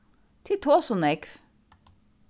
tit tosa ov nógv